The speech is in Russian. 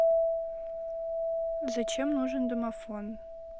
зачем нужен домофон